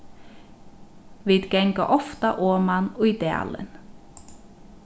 vit ganga ofta oman í dalin